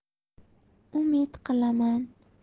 umid qilaman